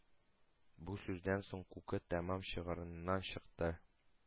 Бу сүздән соң Күке тәмам чыгарыннан чыкты.